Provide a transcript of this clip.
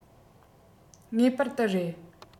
ངེས པར དུ རེད